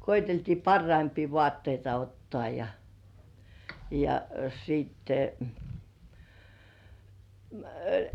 koeteltiin parhaimpia vaatteita ottaa ja ja sitten -